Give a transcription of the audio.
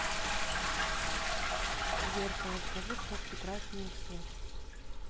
зеркало скажи кто прекраснее всех